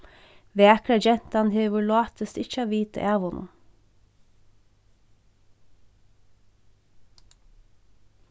vakra gentan hevur látist ikki at vitað av honum